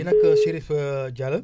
kii nag Chérif Dia la